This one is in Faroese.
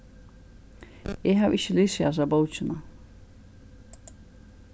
eg havi ikki lisið hasa bókina